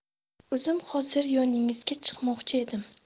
o'zim hozir yoningizga chiqmoqchi edim